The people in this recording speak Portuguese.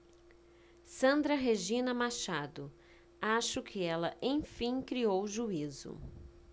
sandra regina machado acho que ela enfim criou juízo